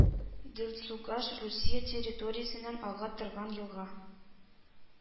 Делдсугаш Русия территориясеннән ага торган елга